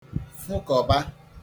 fụkọbā